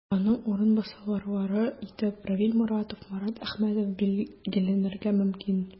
Аның урынбасарлары итеп Равил Моратов, Марат Әхмәтов билгеләнергә мөмкин.